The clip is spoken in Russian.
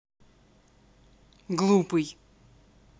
глупый